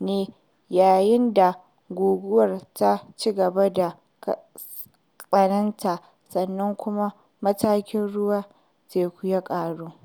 ne yayin da guguwa ta cigaba da tsananta sannan kuma matakin ruwan teku ya ƙaru.